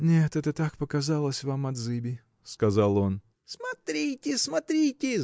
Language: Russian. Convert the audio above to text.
– Нет, это так показалось вам от зыби, – сказал он. – Смотрите, смотрите!